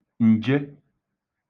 ǹje